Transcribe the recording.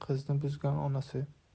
qizni buzgan onasi